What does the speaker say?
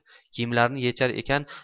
kiyimlarini yechar ekan